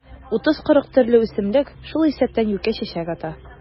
30-40 төрле үсемлек, шул исәптән юкә чәчәк ата.